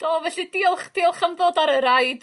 Do felly diolch diolch am ddod ar y reid